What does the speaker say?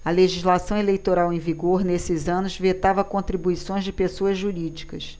a legislação eleitoral em vigor nesses anos vetava contribuições de pessoas jurídicas